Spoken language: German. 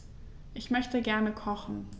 Ich möchte gerne kochen.